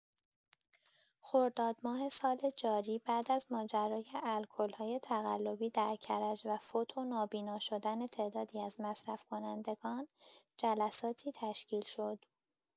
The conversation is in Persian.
خرداد ماه سال جاری بعد از ماجرای الکل‌های تقلبی در کرج و فوت و نابینا شدن تعدادی از مصرف‌کنندگان، جلساتی تشکیل شد.